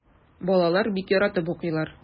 Балалар бик яратып укыйлар.